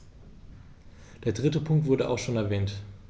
Der dritte Punkt wurde auch schon erwähnt.